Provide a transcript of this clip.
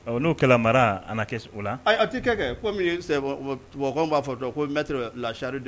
N'o kɛlɛ mara a kɛ o la a tɛ kɛ kɛ se b'a fɔ dɔn ko n bɛ lahari don